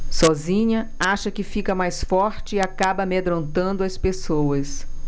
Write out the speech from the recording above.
sozinha acha que fica mais forte e acaba amedrontando as pessoas